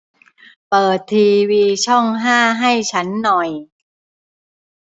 เปิดทีวีช่องห้าให้ฉันหน่อย